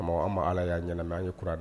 A anw ma Ala y'an ɲɛna mais an ye